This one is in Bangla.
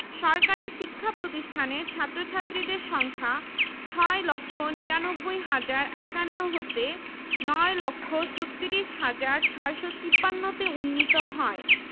সরকারি শিক্ষা প্রতিষ্ঠানের ছাত্র ছাত্রীদের সংখ্যা ৬ লক্ষ ৯৯ হাজার ৫১ হতে ৯ লক্ষ ৩৬ হাজার ৬৫৩ তে উন্নীত হয়